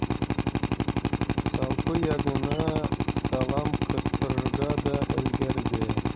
Салпы ягына салам кыстырырга да өлгерде.